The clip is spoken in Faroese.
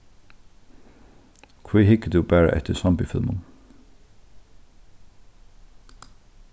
hví hyggur tú bara eftir zombiefilmum